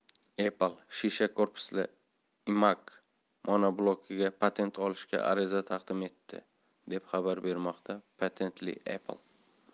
apple shisha korpusli imac monoblokiga patent olishga ariza taqdim etdi deb xabar bermoqda patently apple